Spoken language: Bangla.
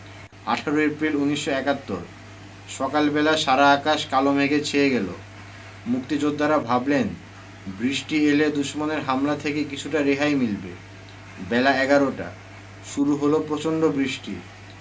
১৮ এপ্রিল ১৯৭১ সকাল বেলা সারা আকাশ কালো মেঘে ছেয়ে গেল মুক্তিযোদ্ধারা ভাবলেন বৃষ্টি এলে দুশমনের হামলা থেকে কিছুটা রেহাই মিলবে বেলা এগারোটা শুরু হলো প্রচণ্ড বৃষ্টি